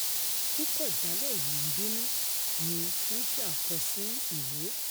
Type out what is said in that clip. Kíkọ̀jálẹ̀ yìí ńbínu,'' ni Fleischer kọsí ìwé.